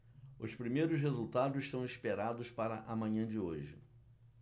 os primeiros resultados são esperados para a manhã de hoje